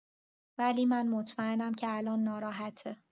ولی من مطمئنم که الان ناراحته